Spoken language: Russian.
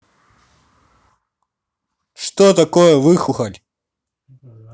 что такое выхухоль